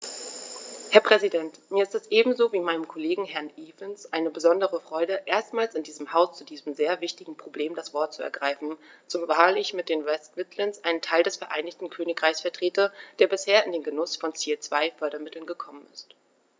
Herr Präsident, mir ist es ebenso wie meinem Kollegen Herrn Evans eine besondere Freude, erstmals in diesem Haus zu diesem sehr wichtigen Problem das Wort zu ergreifen, zumal ich mit den West Midlands einen Teil des Vereinigten Königreichs vertrete, der bisher in den Genuß von Ziel-2-Fördermitteln gekommen ist.